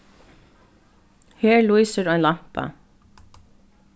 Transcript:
her lýsir ein lampa